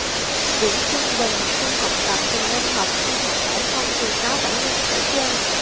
điểm trung bình chung học tập từng năm học trung học phổ thông từ sáu phẩy năm trở trên